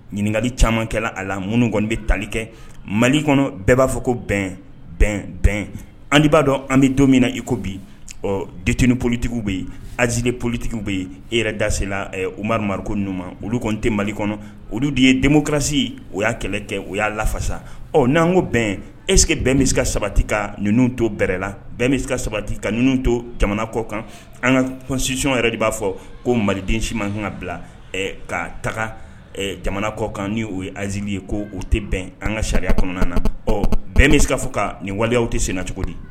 Ɲininkakali camankɛla a la minnu kɔni bɛ tali kɛ mali kɔnɔ bɛɛ b'a fɔ ko bɛn bɛn bɛn an b'a dɔn an bɛ don min na iko bi ɔtini politigiw bɛ yen alizalie politigiw bɛ yen e yɛrɛ dase umari maririku numa olu kɔni tɛ mali kɔnɔ olu de ye denmusorasi o y'a kɛlɛ kɛ u y'a lafasa ɔ n'an ko bɛn eseke bɛn misika sabati ka ninnu to bɛrɛ la bɛɛ misi seka ka sabati ka ninnu to jamana kɔkan an kasisiyɔn yɛrɛ de b'a fɔ ko maliden siman ka bila ka taga jamana kɔkan n' o ye azali ye ko o tɛ bɛn an ka sariya kɔnɔna na ɔ bɛɛ misi seka fɔ kan nin waleya tɛ sen na cogo di